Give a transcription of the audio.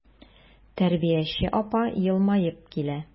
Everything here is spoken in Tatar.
Тәрбияче апа елмаеп килә.